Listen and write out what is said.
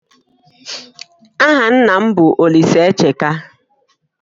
Ahanna m bụ Olisaecheka.